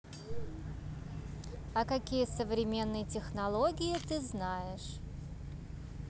а какие современные технологии ты знаешь